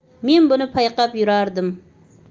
men buni payqab yurardim